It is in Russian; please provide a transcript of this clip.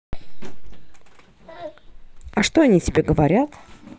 и что они тебе говорят